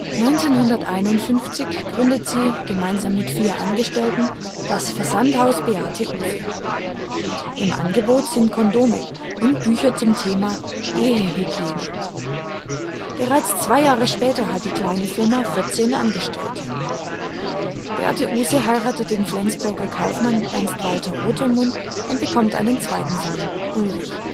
1951 gründet sie gemeinsam mit vier Angestellten das " Versandhaus Beate Uhse ". Im Angebot sind Kondome und Bücher zum Thema " Ehehygiene ". Bereits 2 Jahre später hat die kleine Firma 14 Angestellte. Beate Uhse heiratet den Flensburger Kaufmann Ernst-Walter Rotermund und bekommt einen zweiten Sohn, Ulrich